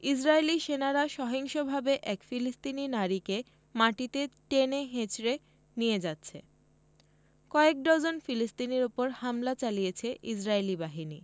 ইসরাইলী সেনারা সহিংসভাবে এক ফিলিস্তিনি নারীকে মাটিতে টেনে হেঁচড়ে নিয়ে যাচ্ছে কয়েক ডজন ফিলিস্তিনির ওপর হামলা চালিয়েছে ইসরাইলি বাহিনী